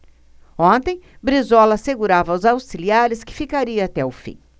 ontem brizola assegurava aos auxiliares que ficaria até o fim